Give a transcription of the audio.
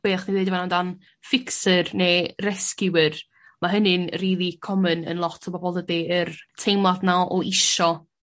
be' o'ch chi'n ddeud yn fana amdan fixer neu rescuer ma' hynny'n rili commyn yn lot o bobol ydi yr teimlad 'na o isio